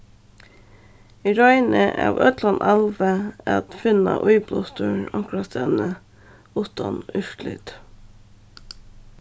eg royni av øllum alvi at finna íblástur onkrastaðni uttan úrslit